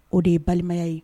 O de ye balimaya ye